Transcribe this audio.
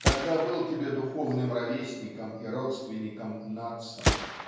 когда был тебе духовным ровесником и родственником Надсон.